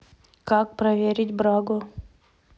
как проверить брагу